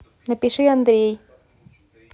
напиши андрей